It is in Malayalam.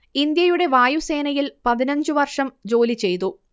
ഇന്ത്യയുടെ വായുസേനയിൽ പതിനഞ്ചു വർഷം ജോലി ചെയ്തു